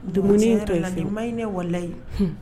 Dum la maɲ ne walalayi